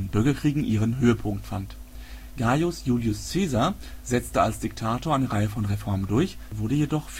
Bürgerkriegen ihren Höhepunkt fand. Gaius Iulius Caesar setzte als Diktator eine Reihe von Reformen durch, wurde jedoch